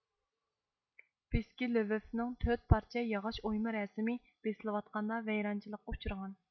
بىسكىلىۋىفنىڭ تۆت پارچە ياغاچ ئويما رەسىمى بېسىلىۋاتقاندا ۋەيرانچىلىققا ئۇچرىغان